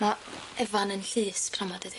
Ma' Efan yn llys pnawn 'ma dydi?